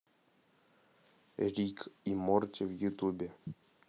рик и морти в ютубе